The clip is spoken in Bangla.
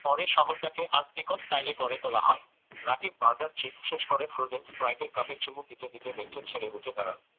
পরে শহরটাকে আর্ট ডিকো স্টাইলে গড়ে তোলা হয় রাকিব বার্গার চিপস শেষ করে ফ্রোজেন স্প্রাইটের কাপে চুমুক দিতে দিতে বেঞ্চে ছেড়ে উঠে দাঁড়াল